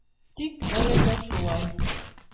Тик әлегә шулай.